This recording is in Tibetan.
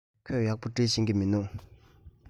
ཁོས ཡག པོ འབྲི ཤེས ཀྱི མིན འདུག